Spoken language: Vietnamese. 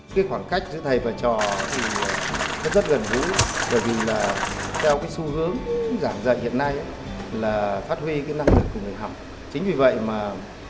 cái khoảng cách giữa thầy và trò thì nó rất gần gũi bởi vì là theo cái xu hướng giảng dạy hiện nay ấy là phát huy cái năng lực của người học chính vì vậy mà